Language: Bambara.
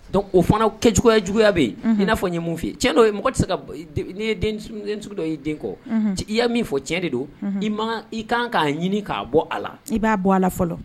Donc o fana u kɛ cogoya juguya bɛ ye unhun in'a fɔ n ye mun f'i ye tiɲɛ do ee mɔgɔ tɛ se ka b i den n'i ye denmisenni sugu dɔ y'i den kɔ unhun ci i ya min fɔ tiɲɛ de don i man ka i kan k'a ɲini k'a bɔ a la i b'a bɔ a la fɔlɔ